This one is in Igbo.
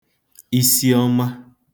Isiọma